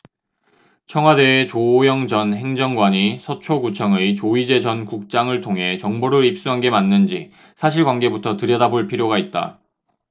청와대의 조오영 전 행정관이 서초구청의 조이제 전 국장을 통해 정보를 입수한 게 맞는지 사실관계부터 들여다볼 필요가 있다